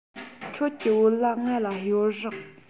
ཁྱོད ཀྱི བོད ལྭ ང ལ གཡོར རོགས